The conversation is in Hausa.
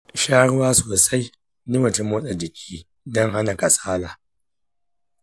sha ruwa sosai lokacin motsa jiki don hana kasala.